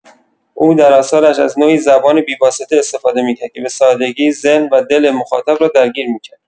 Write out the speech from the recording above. او در آثارش از نوعی زبان بی‌واسطه استفاده می‌کرد که به‌سادگی ذهن و دل مخاطب را درگیر می‌کرد.